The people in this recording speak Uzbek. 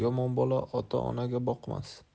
yomon bola ota onaga boqmas